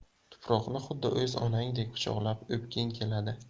tuproqni xuddi o'z onangdek quchoqlab o'pging keladi